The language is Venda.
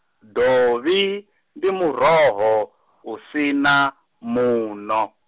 dovhi, ndi muroho, u si na, muṋo.